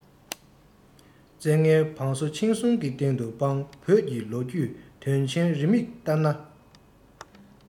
བཙན ལྔའི བང སོ འཆིང གསུང གི རྟེན དུ དཔང བོད ཀྱི ལོ རྒྱུས དོན ཆེན རེའུ མིག ལྟར ན